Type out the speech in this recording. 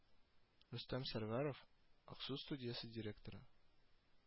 Рөстәм Сәрвәров, Аксу студиясе директоры: